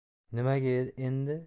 nimaga endi